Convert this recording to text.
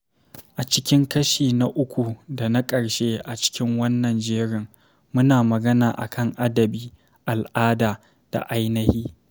A cikin kashi na uku da na ƙarshe a cikin wannan jerin, muna magana akan adabi, al'ada da ainahi.